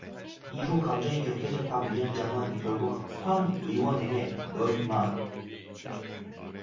이후 감정이 격해진 박 위원장은 결국 황 의원에게 너 임마